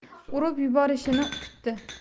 urib yuborishini kutdi